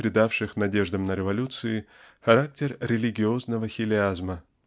придавших надеждам на революцию характер религиозного хилиазма.